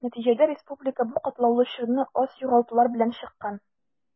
Нәтиҗәдә республика бу катлаулы чорны аз югалтулар белән чыккан.